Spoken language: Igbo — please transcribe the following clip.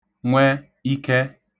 nwẹ ikẹ